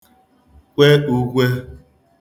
kwe ūkwē